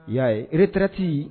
Y'a ye re terikɛreti